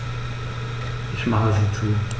Ich mache sie zu.